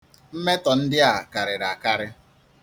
Mmetọ ndị a karịri akarị.